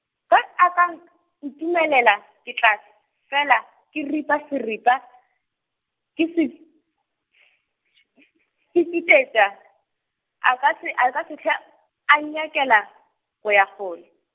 ge a ka -nk, ntumelela ke tla fela ke ripa seripa, ke se, se fetišetša a ka se, a ka se hla- a nyakela, go ya kgole.